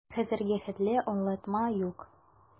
Хәзергә хәтле аңлатма юк.